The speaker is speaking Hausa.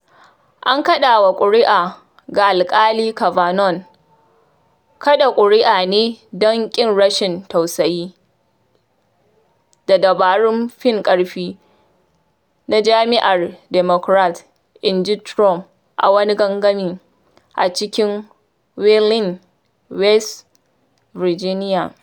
“Kaɗawa ƙuri’a ga Alkali Kavanaugh kaɗa ƙuri’a ne don ƙin rashin tausayi da dabarun fin ƙarfi na Jam’iyyar Democrat,” inji Trump a wani gangami a cikin Wheeling, West Virginia.